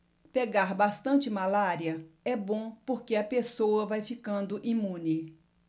pegar bastante malária é bom porque a pessoa vai ficando imune